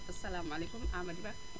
asalaamualeykum amady Ba